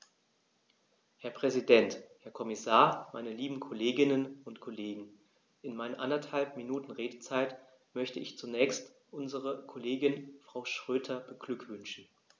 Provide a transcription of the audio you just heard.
Herr Präsident, Herr Kommissar, meine lieben Kolleginnen und Kollegen, in meinen anderthalb Minuten Redezeit möchte ich zunächst unsere Kollegin Frau Schroedter beglückwünschen.